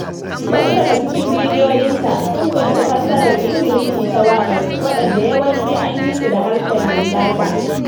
Wasu daga cikin bidiyoyinta sun ƙunshi fassarar Ingilishi ta waƙar, waɗanda yawanci an yi su da harshen Lingala.